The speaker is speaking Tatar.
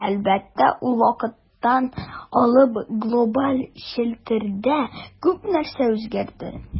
Әлбәттә, ул вакыттан алып глобаль челтәрдә күп нәрсә үзгәрде.